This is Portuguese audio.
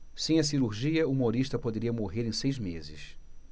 sem a cirurgia humorista poderia morrer em seis meses